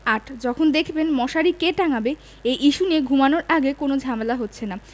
৮. যখন দেখবেন মশারি কে টাঙাবে এই ইস্যু নিয়ে ঘুমানোর আগে কোনো ঝামেলা হচ্ছে না